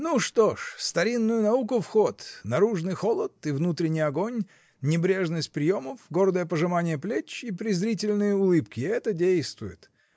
Ну, что ж, старинную науку в ход: наружный холод и внутренний огонь, небрежность приемов, гордое пожимание плеч и презрительные улыбки — это действует!